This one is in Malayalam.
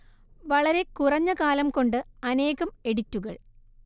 വളരെ കുറഞ്ഞ കാലം കൊണ്ട് അനേകം എഡിറ്റുകൾ